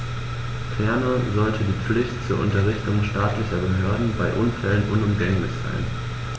Ferner sollte die Pflicht zur Unterrichtung staatlicher Behörden bei Unfällen unumgänglich sein.